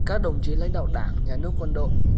các đồng chí lãnh đạo đảng nhà nước quân đội